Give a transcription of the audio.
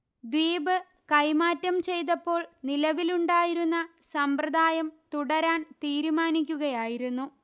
ദ്വീപ് കൈമാറ്റം ചെയ്തപ്പോൾ നിലവിലുണ്ടായിരുന്ന സമ്പ്രദായം തുടരാൻ തീരുമാനിക്കുകയായിരുന്നു